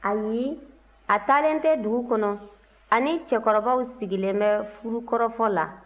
ayi a taalen tɛ dugu kɔnɔ a ni cɛkɔrɔbaw sigilen bɛ furukɔrɔfɔ la